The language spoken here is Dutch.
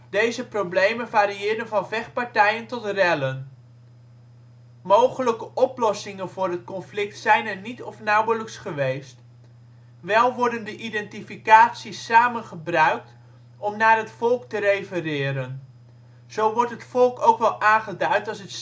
Deze problemen varieerden van vechtpartijen tot rellen. Mogelijke oplossingen voor het conflict zijn er niet of nauwelijks geweest. Wel worden de identificaties samen gebruikt om naar het volk te refereren. Zo wordt het volk ook wel aangeduid als het